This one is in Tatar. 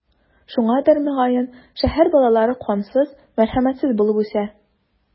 Шуңадыр, мөгаен, шәһәр балалары кансыз, мәрхәмәтсез булып үсә.